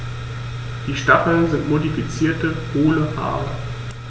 Diese Stacheln sind modifizierte, hohle Haare.